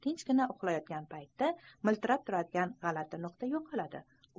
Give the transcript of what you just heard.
tinchgina uxlayotgan paytda miltillab turadigan g'alati nuqta yo'qoladi